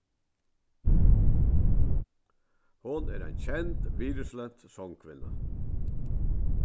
hon er ein kend virðislønt songkvinna